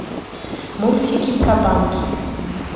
мультики про банки